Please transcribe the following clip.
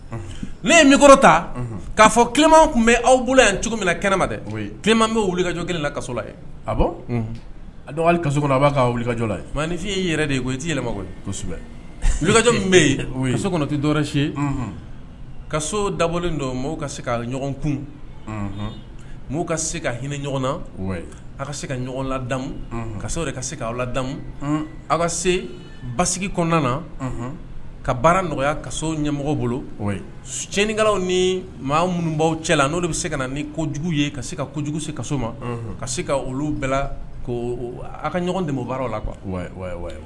N ye mikɔrɔta k'a fɔ kuma tun bɛ aw bolo yan cogo min na kɛnɛ ma dɛma bɛ wulikajɔ kelen la kasola a a kaso kɔnɔ a b'a ka wulikajɔ la ye nka nifin'i yɛrɛ de ye i t'i yɛlɛmakɔ kosɛbɛkajɔ bɛ yen ye so kɔnɔ tɛsi ka so dabɔlen don mɔgɔw ka se ka ɲɔgɔn kun mɔgɔw ka se ka hinɛ ɲɔgɔn na aw ka se ka ɲɔgɔn ladamu kaw de ka se ka awaw ladamu aw ka se ba kɔnɔna na ka baara nɔgɔya ka so ɲɛmɔgɔ bolo tiɲɛninkalaw ni maa minnubaw cɛla la n' de bɛ se ka na ni ko kojugu ye ka se ka kojugu se kaso ma ka se ka olu bɛɛ ko aw ka ɲɔgɔn di mɔgɔw baaraw la